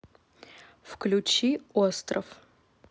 включи остров